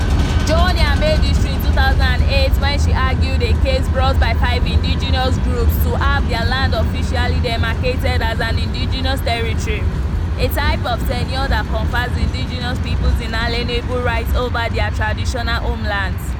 Joênia made history in 2008 when she argued a case brought by five indigenous groups to have their land officially demarcated as an Indigenous Territory, a type of tenure that confers indigenous peoples inalienable rights over their traditional homelands.